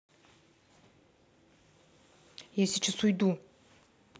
я сейчас уйду